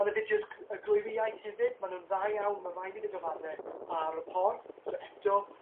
On' y fideos gy- yy gloywi iaith hefyd ma' nw'n dda iawn ma' raid i fi gyfadde ar y porth, so eto